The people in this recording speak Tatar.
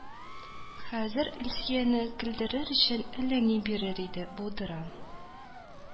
Хәзер Илсөяне көлдерер өчен әллә ни бирер иде, булдыра